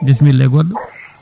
bisimilla e goɗɗo